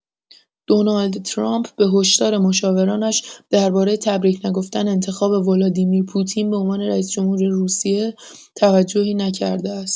دونالد ترامپ به هشدار مشاورانش درباره تبریک نگفتن انتخاب ولادیمیر پوتین به عنوان رئیس‌جمهوری روسیه، توجهی نکرده است.